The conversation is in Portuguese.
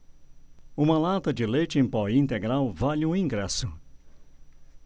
uma lata de leite em pó integral vale um ingresso